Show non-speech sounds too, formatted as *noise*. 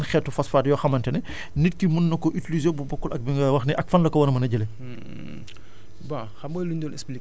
*hesitation* fii ñu ngi laaj ndax am na yeneen moyens yeneen xeetu phosphate yoo xamante ne *breath* nit ki mun na ko utiliser bu bokkul ak bi ngay wax nii ak fan la ko war a mën a jëlee